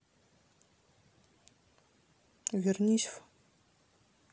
вернись в